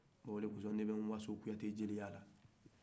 o de kɔso ne bɛ nwaso kuyate jeliya la